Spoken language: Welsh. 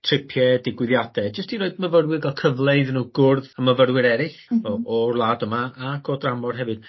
tripie digwyddiade jyst i roid myfyrwyr ga'l cyfle iddyn n'w gwrdd â myfyrwyr eryll ... M-hm. ...fel o wlad yma ac o dramor hefyd.